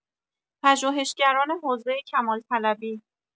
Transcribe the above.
پژوهشگران حوزه کمال‌طلبی